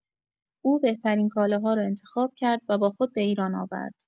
او بهترین کالاها را انتخاب کرد و با خود به ایران آورد.